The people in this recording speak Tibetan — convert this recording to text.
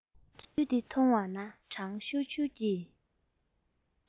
ཚུལ འདི མཐོང བ ན གྲང ཤུར ཤུར གྱི